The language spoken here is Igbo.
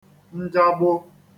njagbo